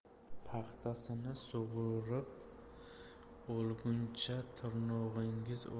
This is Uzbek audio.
paxtasini sug'urib olguncha tirnog'ingiz